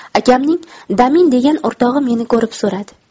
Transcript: akamning damin degan o'rtog'i meni ko'rib so'radi